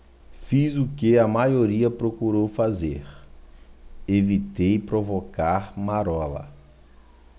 fiz o que a maioria procurou fazer evitei provocar marola